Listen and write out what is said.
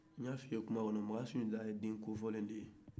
n'y'a f'i ye kuma kɔnɔ makan sunjata ye den kofɔlen de ye